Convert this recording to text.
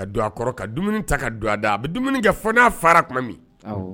Jɔ a kɔrɔ ka dumuni ta ka do a da a bɛ dumuni kɛ fo n'a fara tuma min awɔ.